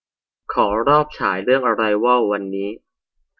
ขอรอบฉายเรื่องอะไรวอลวันนี้